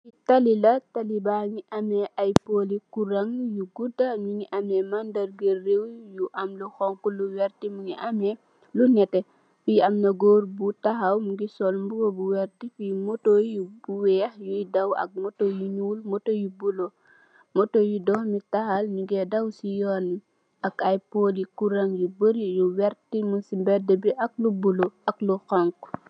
Talela la.tale bi bak nyu am poli kuraan yu gudu mugi am mandarga rew lu am lu honha lu verter lu nette fi am na góor bu taxaw mugi sol buba bu verter fi moto yu weyh nyu daw ak moto yu bolo moto yu doomital nyu ga dawsi yunbi ak poli kuraan yu bari nyu si mbedabi ak lu bolo ak lu honha.